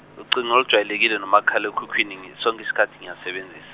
ucingo olujwayelekile nomakhalekhukhini -ni- sonke isikhathi ngiyazisebenzis-.